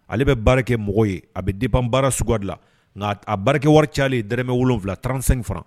Ale bɛ baara kɛ mɔgɔ ye a bɛ diban baara sugu dilan nka a baarakɛ wari caale ye dmɛ wolonwula tanransɛgin fana